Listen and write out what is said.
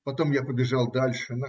Потом я побежал дальше.